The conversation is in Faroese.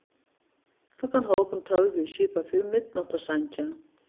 klokkan hálvgum tólv verður skipað fyri midnáttarsangi